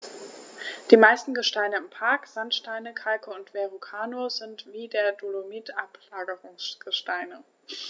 Die meisten Gesteine im Park – Sandsteine, Kalke und Verrucano – sind wie der Dolomit Ablagerungsgesteine.